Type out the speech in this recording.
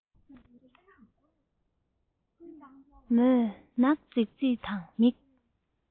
མོས སྣ རྫིག རྫིག དང མིག